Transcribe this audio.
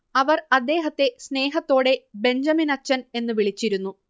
അവർ അദ്ദേഹത്തെ സ്നേഹത്തോടെ ബെഞ്ചമിനച്ചൻ എന്ന് വിളിച്ചിരുന്നു